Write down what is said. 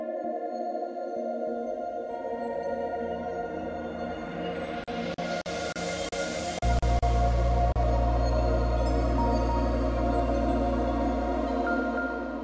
Wa